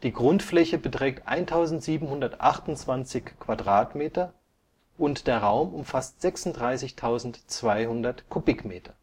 Grundfläche beträgt 1.728 m² und der Raum umfasst 36.200 m³